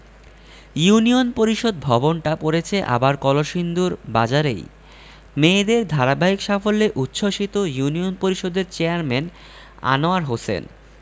union parishad ভবনটা পড়েছে আবার কলসিন্দুর বাজারেই মেয়েদের ধারাবাহিক সাফল্যে উচ্ছ্বসিত ইউনিয়ন পরিষদের চেয়ারম্যান আনোয়ার হোসেন